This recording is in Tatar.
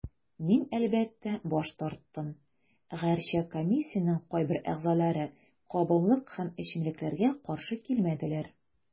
Мин, әлбәттә, баш тарттым, гәрчә комиссиянең кайбер әгъзаләре кабымлык һәм эчемлекләргә каршы килмәделәр.